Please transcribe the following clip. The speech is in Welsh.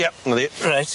Ie 'na di. Reit.